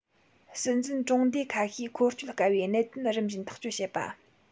སྲིད འཛིན གྲོང སྡེ འགའ ཤས འཁོར སྐྱོད དཀའ བའི གནད དོན རིམ བཞིན ཐག གཅོད བྱེད པ